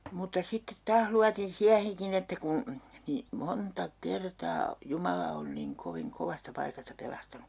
mutta sitten taas luotin siihenkin että kun niin monta kertaa Jumala on niin kovin kovasta paikasta pelastanut